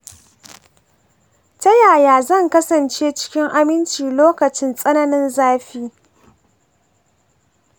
ta yaya zan kasance cikin aminci lokacin tsananin zafi?